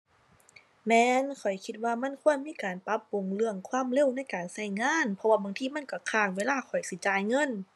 แม่น ข้อยคิดว่ามันควรมีการปรับปรุงเรื่องความเร็วในการใช้งาน เพราะว่าบางทีมันใช้ค้างเวลาข้อยสิจ่ายเงิน